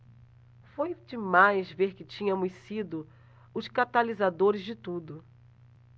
foi demais ver que tínhamos sido os catalisadores de tudo